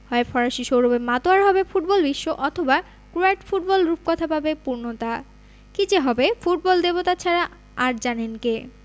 হয় ফরাসি সৌরভে মাতোয়ারা হবে ফুটবলবিশ্ব অথবা ক্রোয়াট ফুটবল রূপকথা পাবে পূর্ণতা কী যে হবে ফুটবল দেবতা ছাড়া তা আর জানেন কে